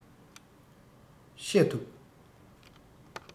བཤད ཐུབ